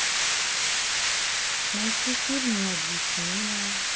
найти фильм необъяснимое